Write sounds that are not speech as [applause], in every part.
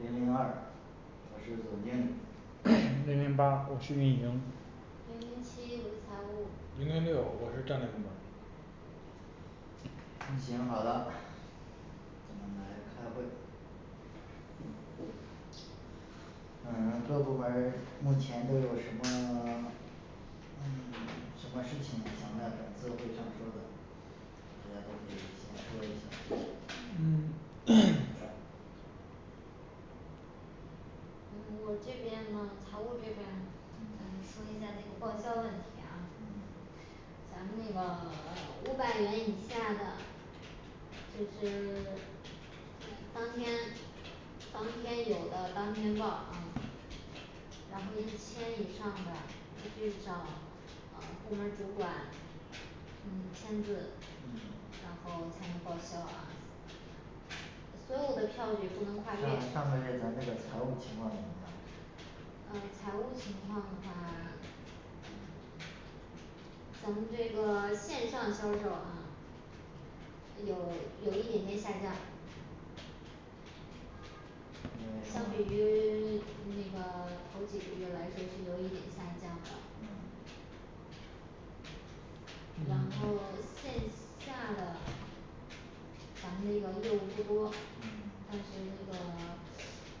零零二我是总经理 [hesitation] 零零八我是运营零零七我是财务零零六我是战略部门儿嗯行好的我们来开会嗯各部门儿目前都有什么 [silence] 嗯 [silence] 什么事情想在本次会上说的大家都可以先来说一下儿嗯 [hesitation] 嗯嗯咱们那个呃五百元以下的就是 [silence] 当天当天有的当天报啊然后一千嗯以上的就去找呃部门儿主管嗯签字嗯然后才能报销啊所有的票据不能跨月上上个月咱这个财务情况怎么样嗯财务情况的话嗯咱们这个线上销售啊有有一点点下降因为相什比么于 [silence] 那个头几个月来说是有一点下降的嗯然嗯后线下的咱们那个业务不多嗯但是那个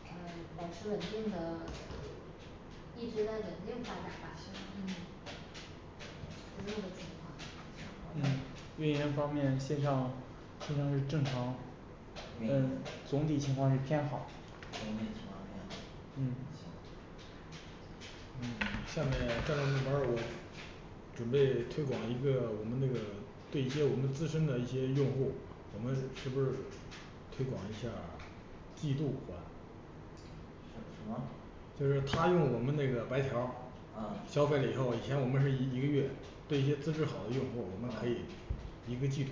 呃保持稳定的一直在稳定发展吧嗯行就这个情况行好嗯的运营方面线上，说明是正常运嗯营总体情况是偏好总体情况偏好嗯行嗯下面战略部门儿我准备推广一个我们这个对接我们自身的一些用户我们是不嗯是推广一下儿季度款什什么就是他用我们那个白条儿啊消费了以后，以前我们是一一个月对一些资质好的用户，我们可以嗯一个季度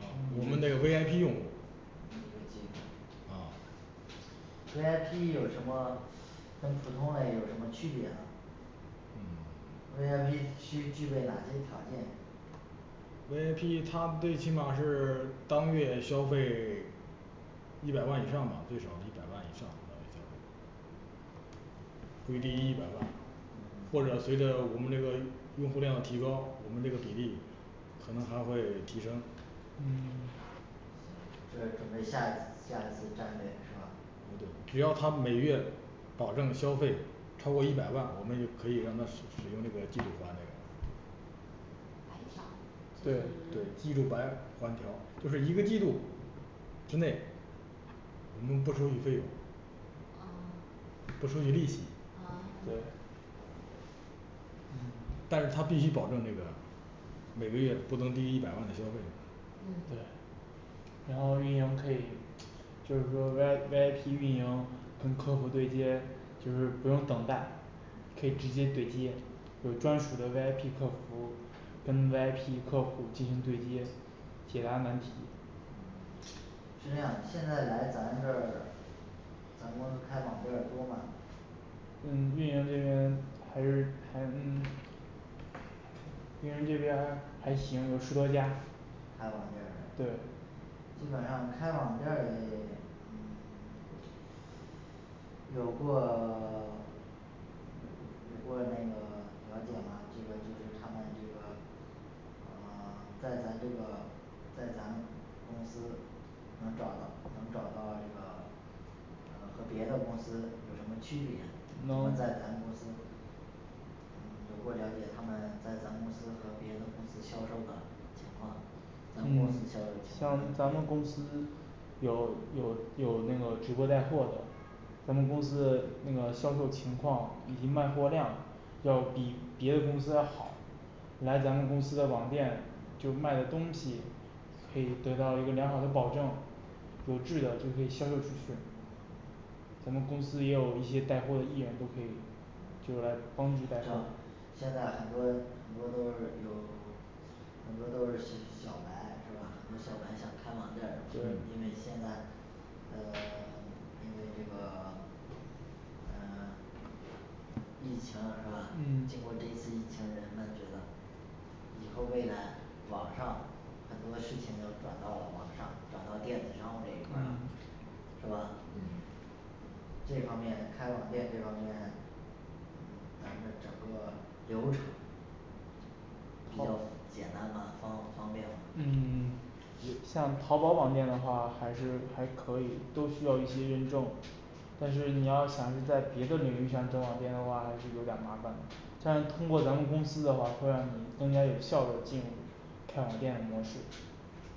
嗯我们的V I P用户一个季度嗯 V I P有什么跟普通嘞有什么区别呢嗯 V I P需具备哪些条件 V I P他们最起码是当月消费一百万以上吧，最少一百万以上把这交给你不一定一百万。或嗯者随 [silence] 着我们这个用户量提高，我们这个比例可能还会提升嗯 [silence] 呃对，只要他每月保证消费超过一百万，我们也可以让他使使用这个季度还这个白条对对，季度白还条就是一个季度之内，我们不收取费用噢不收取利息噢对嗯但是他必须保证这个每个月不能低于一百万的消费对嗯然后运营可以就是说V I V I P运营跟客户对接，就是不用等待可以直接对接，有专属的V I P客服儿跟V I P客户儿进行对接，解答难题嗯是这样，现在来咱这儿咱公司开网店儿多吗嗯运营这边还是还嗯运营这边儿还行，有十多家开网店儿嘞对基本上开网店儿嘞 [silence] 嗯 [silence] 有过 [silence] 有过那个了解吗？这个就是他们这个嗯在咱这个在咱公司能找到能找到这个嗯和别的公司有什么区别，我们能再谈公司嗯像咱们公司有有有那个直播带货的，咱们公司那个销售情况以及卖货量要比别的公司要好来咱们公司的网店就卖的东西可以得到一个良好的保证，有质的就可以销售出去嗯咱们公司也有一些带货的艺人都可以就是来嗯帮助带上现在很多很多都是有对嗯以后未来网上很多嘞事情就转到网上，转到电子商务这一块儿了，嗯是吧嗯嗯这方面开网店这方面，嗯咱们整个流程比较套简单吗方方便吗嗯 [silence] 像淘宝网店的话还是还可以都需要一些认证但是你要想是在别的领域上整网店的话还是有点儿麻烦的，但是通过咱们公司的话，会让你更加有效的进入开网店的模式噢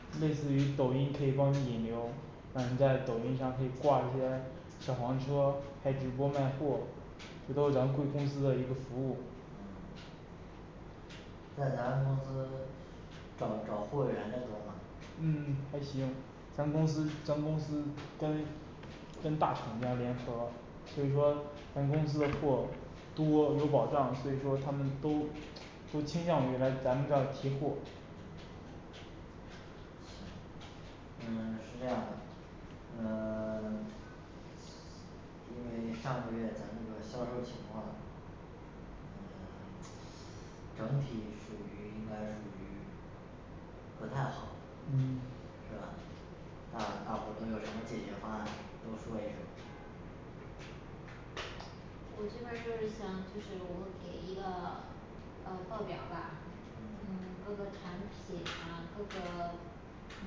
嗯类似于抖音可以帮你引流，那你在抖音上可以挂一些小黄车开直播卖货，这都咱们对公司的一个服务嗯在咱们公司找找货源嘞多吗嗯还行，咱公司咱公司跟跟大厂家联合，所以说咱公司的货多有保障，所以说他们都都倾向于来咱们这儿批货嗯行嗯是这样嗯 [silence] 不太好嗯是吧，大大伙儿都有什么解决方案都说一说我这边儿就是想就是我给一个呃报表儿吧，嗯各个产品啊各个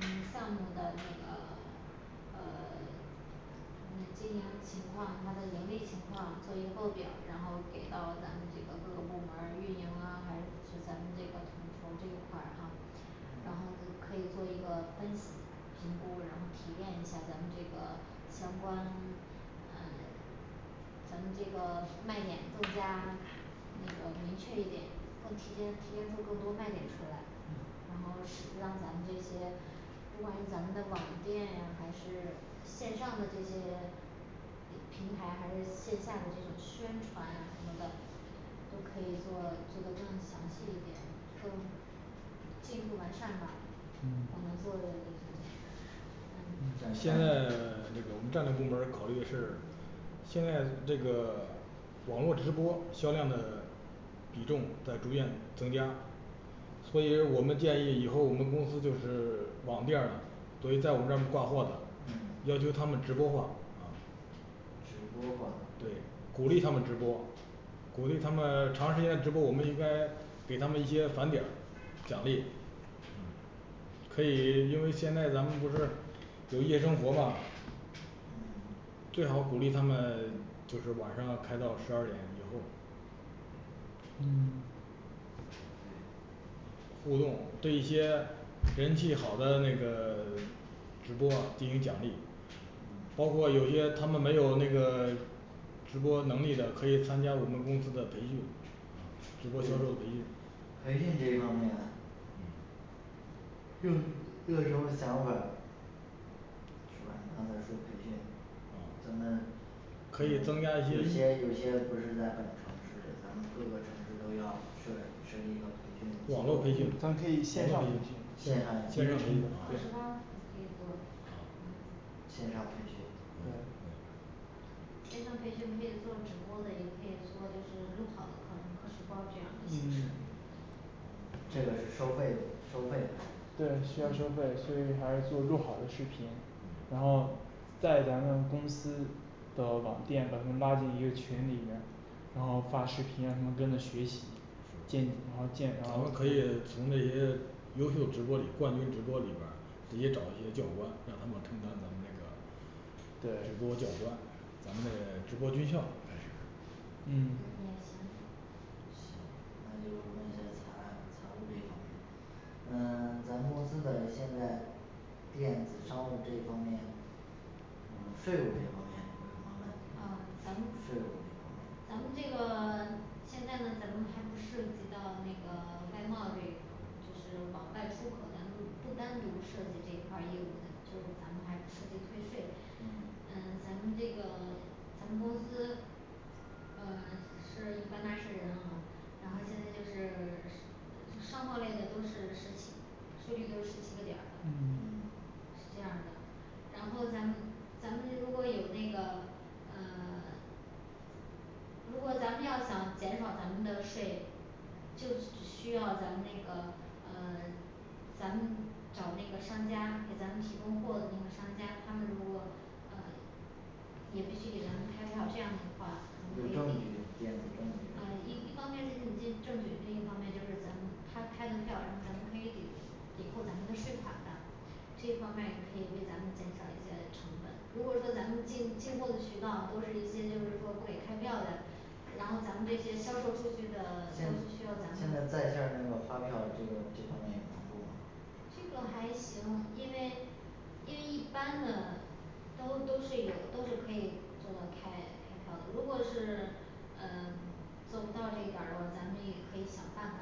嗯项目的那个呃 [silence] 嗯经营情况，它的盈利情况做一个报表儿，然后给到咱们这个各个部门儿运营啊，还指咱们这个统筹这一块儿啊然后嗯可以做一个分析评估，然后提炼一下咱们这个相关嗯咱们这个卖点更加那个明确一点，更提炼提炼出更多卖点出来，然后是让咱们这些不管是咱们的网店呀，还是线上的这些平台，还是线下的这种宣传啊什么的，都可以做做的更详细一点，更进一步完善吧。嗯我能做的这嗯，就是 [crosstalk] 嗯现战在战那个我们战略部门儿考虑是现在这个网络直播销量的比重在逐渐增加所以我们建议以后我们公司就是网店儿的，所以在我们这儿挂货的嗯要求他们直播化啊直播化对鼓励他们直播鼓励他们长时间直播，我们应该给他们一些返点儿奖励嗯可以，因为现在咱们不是有夜生活嘛嗯最好鼓励他们就是晚上开到十二点以后嗯对互动，对一些人气好的那个 [silence] 直播啊进行奖励包嗯括有些他们没有那个直播能力的可以参加我们公司的培训直播销售培训，培训这方面嗯有有什么想法儿是吧？你刚才说培训，咱啊们可以增加有一些义，些有些不是在本城市嘞，咱们各个城市都要设设立一个培训机网络培构训线线上上好说你培训这个线上培训嗯对对线上培训可以做，直播的也可以做就是录好的课程课时报这样的形式嗯 [silence] 这个是收费的收费还是对，需要收费嗯，所以还是做录好的视频然后在咱们公司的网店把他们拉进一个群里边儿，然后发视频让他们跟着学习进然后建然咱后们可以从那些优秀直播里冠军直播里边儿直接找一些教官，让他们充当咱们这个对直播教官咱们的直播军校哎呀也行嗯行。那就问一下儿财财务这方面，呃咱们公司的现在电子商务这一方面嗯税务这方面有什么问题吗啊税咱们务这方面咱们这个 [silence] 现在呢咱们还不涉及到那个外贸这一块儿就是往外出口，咱们不单独涉及这一块儿业务，就咱们还不涉及退税，嗯嗯咱们这个咱们公司嗯是一般纳税人啊，然后现在就是是 [unintelligible] 商贸类的都是十几数据都十几个点儿嗯嗯是这样儿的然后咱们咱们这如果有那个呃 [silence] 如果咱们要想减少咱们的税，就只需要咱们那个呃咱们找那个商家给咱们提供货的那个商家，他们如果呃也必须给咱们开票，这样的话有证据电子证呃据一一方面是你这证据，另一方面就是咱们他开的票，咱们可以给抵扣咱们的税款的这一方面儿也可以为咱们减少一些成本，如果说咱们进进货的渠道都是一些就是说不给开票的，然后咱们这些销售出去的，他需要咱们这个还行，因为因为一般的都都是有都是可以做到开开票的，如果是呃做不到这一点儿的话，咱们也可以想办法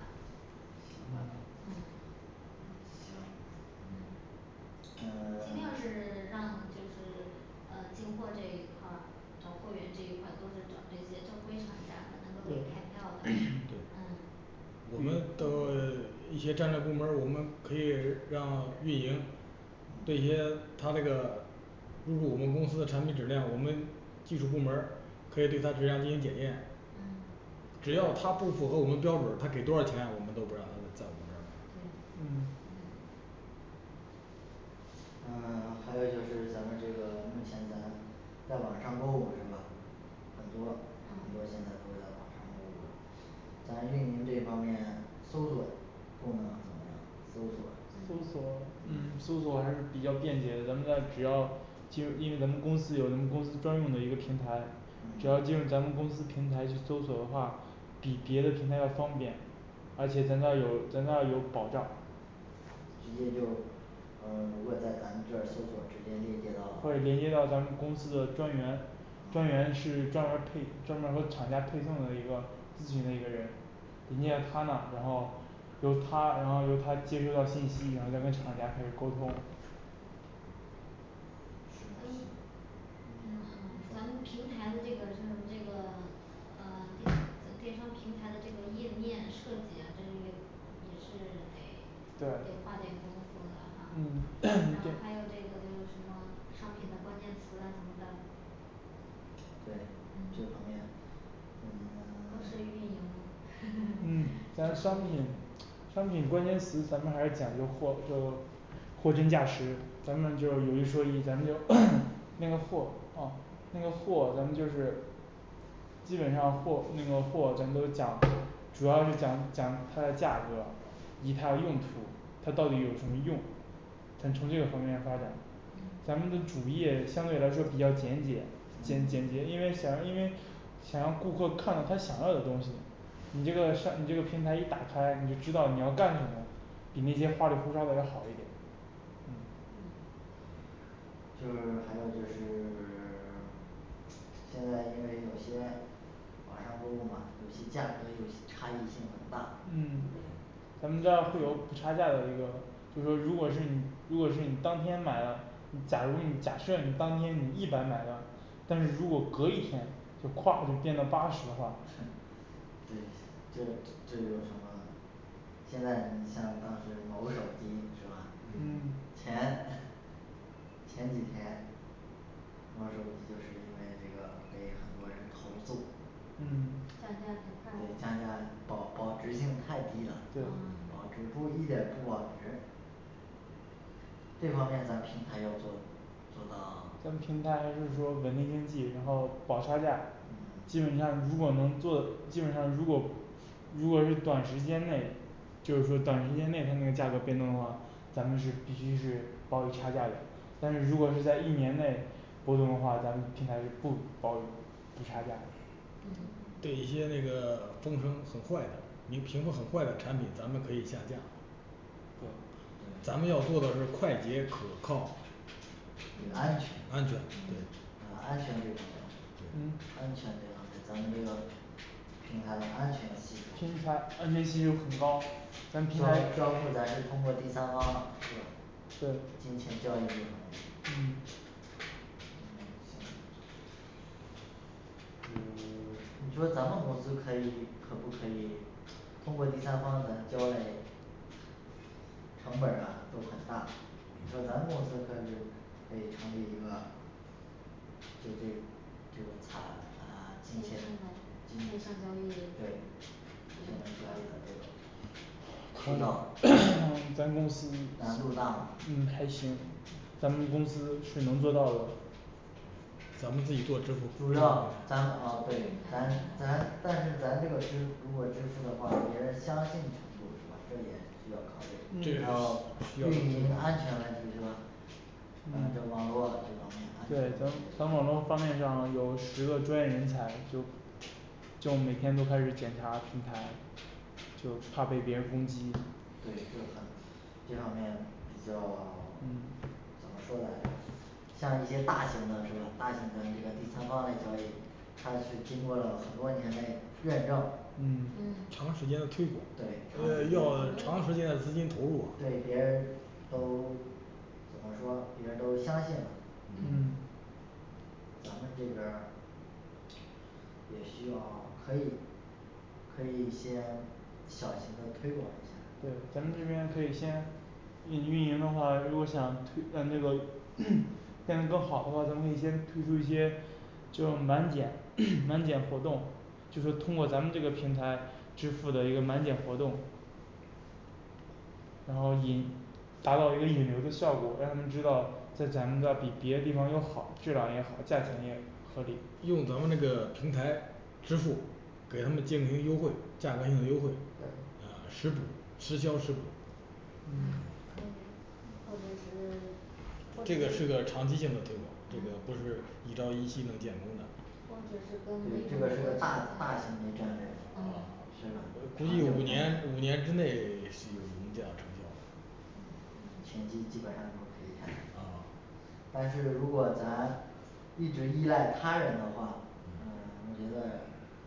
行嗯吧嗯嗯行嗯呃尽量 [silence] 是让就是呃进货这一块儿找货源，这一块儿都是找这些正规厂家的，能够给开对票对的 [crosstalk] 嗯我们的 [silence] 一些战略部门儿，我们可以让运营对一些他这个入驻我们公司的产品质量，我们技术部门儿可以对它质量进行检验嗯只要他不符合我们标准儿，他给多少钱，我们都不让他们在我们这儿卖对嗯嗯嗯 [silence] 还有就是咱们这个目前咱在网上购物是吧？很多很多现在都嗯在网上购物的咱运营这方面搜索功能怎么样？搜索，搜索嗯嗯搜索还是比较便捷的，咱们在只要进入因为咱们公司有咱们公司专用的一个平台，只要嗯进入咱们公司平台去搜索的话比别的平台要方便，而且咱那儿有咱那儿有保障直接就呃如果在咱这儿搜索直接链接到会连接到咱们公司的专员，专员哦是专门儿配专门儿和厂家配送的一个咨询的一个人引荐他那，然后由他然后由他接收到信息，然后再跟厂家开始沟通是可以是嗯嗯咱们平台的这个就是那个呃那个电商平台的这个页面设计也跟这也是得对得花点功夫嗯 [crosstalk] 的啊，然对后还有那个就是什么商品的关键词啊什么的对这嗯个方面呃都是 [silence] 运嗯营。 [noise] 咱商品 [crosstalk] 商品关键词咱们还是讲究货就货真价实，咱们就有一说一咱们就 [hesitation] 那个货啊那个货咱们就是基本上货那个货咱们都讲，主要是讲讲它的价格，以它的用途，它到底有什么用咱从这个方面发展，咱们的主业相对来说比较简洁简简洁，嗯因为想因为想让顾客看到他想要的东西你这个上你这个平台一打开，你就知道你要干什么，比那些花里胡哨儿的要好一点嗯嗯嗯对咱们这儿会有补差价的，一个就说如果是你如果是你当天买了，你假如你假设你当天你一百买的，但是如果隔一天就咵就变到八十的话对这这有什么呢现在你像当时某手机是吧嗯嗯前前几天某手机就是因为这个被很多人投诉嗯降价太对大降价保保值性太低了对啊保值不一点儿不保值这方面咱平台要做，做到，咱们平台就是说稳定经济，然后保差价，基本嗯向如果能做，基本上如果如果是短时间内就是说短时间内它那个价格变动的话，咱们是必须是包个差价的，但是如果是在一年内波动的话，咱们平台是不包补差价的嗯对一些那个风声很坏的，你评风很坏的产品咱们可以下架呃对咱们要做的是快捷可靠对安全安全对嗯安全这方面儿对嗯安全这方面儿咱们这个平台的安全系数平台安全系数很高交咱平台交付咱是通过第三方吗对嗯嗯行嗯 [silence] 你说咱们公司可以可不可以通过第三方咱交嘞成本儿啊都很大，你说咱们公司可以可以成立一个就这个这个啊啊进进行行那个线嗯上交易的对线上这种交易的这种 [hesitation] 咱公司，难度大吗嗯还行咱们公司是能做到的咱们自己做支付，这个时候啊这嗯网络这方面，安全问对咱咱题网络方面上有十个专业人才就就每天都开始检查平台就怕被别人攻击对这很，这方面比较 [silence] 嗯怎么说来着像一些大型的是吧，大型咱这个第三方嘞交易，它是经过了很多年嘞认证嗯嗯长时间的推广，呃对要长时间的长时间的资金投入对别人儿都 [silence] 怎么说别人儿都相信了嗯嗯咱们这边儿也需要可以可以先小型的推广一下儿对咱们这边可以先运运营的话，如果想推这个 [hesitation] 变得更好的话，咱们可以先推出一些就满减 [hesitation] 满减活动，就说通过咱们这个平台支付的一个满减活动然后引达到一个引流儿的效果，让他们知道在咱们这儿比别地方儿要好，质量也好，价钱也合理，用咱们这个平台支付给他们进行优惠，价格性的优惠，对呃实补实销实补嗯嗯或者是或这者个是是个长期性的推广这个不是一朝一夕能建功的或者是对，这个跟是个大大型嘞 [unintelligible] 战略啊是吧估长计有五久战年五略年之内是有明显成效的嗯嗯前期基本上都赔钱但是如果咱一直依赖他人的话，嗯我觉得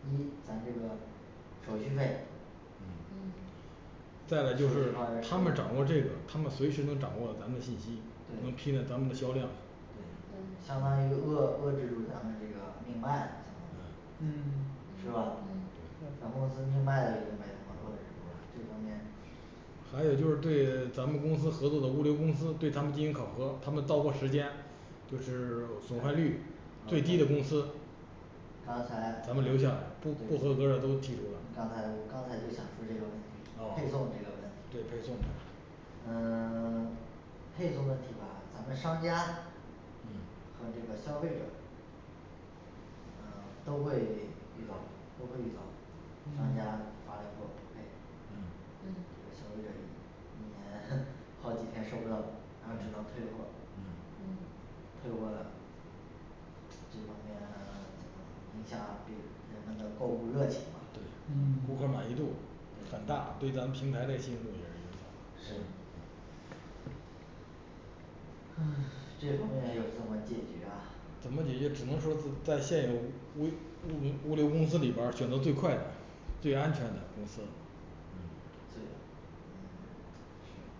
一咱这个手续费嗯再了就是他们掌握这个，他们随时能掌握咱们的信息对批的咱们的销量对，对相当于遏遏制住咱们这个命脉了相当于嗯是吧嗯对咱公司命脉就被他们遏制住了这方面还有就是对咱们公司合作的物流公司对他们进行考核，他们到货时间就是损坏率最啊低的公司刚才咱们留下不不合格儿的都剔除了，刚才我刚才就想说这个问题配送这个问题，对配送问题嗯 [silence] 配送问题吧，咱们商家嗯和这个消费者嗯都会遇到都会遇到商家嗯发嘞货不配，嗯也嗯说愿意。目前 [noise] 好几天收不到，然后只能退货，嗯嗯退货了这方面 [silence] 怎么影响别人们的购物热情吧，对对嗯顾客满意度很对大，对咱们平台这信任度也是影响对唉这方面又是怎么解决啊？怎么解决？只能说是在现有物物零 [unintelligible] 物流公司里边儿选择最快的最安全的公司最嗯